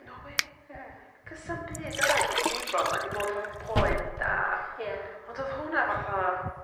No wê. Ie. 'Cos sam byd arall 'di brifo ma' 'di bod... Na. ...fel poen da. Ie. Ond odd hwnna fatha